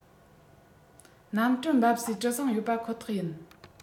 གནམ གྲུ འབབ སའི གྲུ གཟིངས ཡོད པ ཁོ ཐག ཡིན